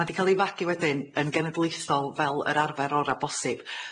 Ma 'di ca'l ei fagu wedyn yn genedlaethol fel yr arfer ora' bosib.